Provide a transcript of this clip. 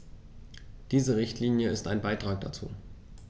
Diese Richtlinie ist ein Beitrag dazu.